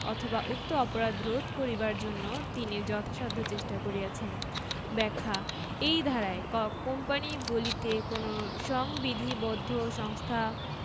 অথবা উক্ত অপরাধ রোধ করিবার জন্য তিনি যথাসাধ্য চেষ্টা করিয়াছেন ব্যাখ্যাঃ এই ধারায়ঃ ক কোম্পানী বলিতে কোন সংবিধিবদ্ধ সংস্থা